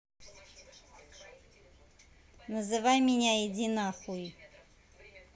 называй меня иди нахуй